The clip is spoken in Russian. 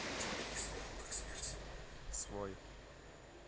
свой